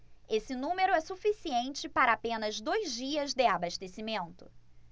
esse número é suficiente para apenas dois dias de abastecimento